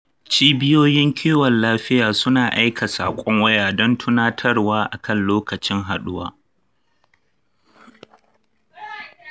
cibiyoyin kiwon lafiya suna aika saƙon waya don tunatarwa a kan lokacin haduwa.